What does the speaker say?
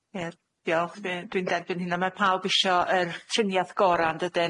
Ie, diolch, dwi yn- dwi'n derbyn hynna. Ma' pawb isio yr triniaeth gora, yn dydyn?